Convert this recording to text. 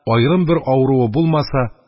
Аерым бер авыруы булмаса,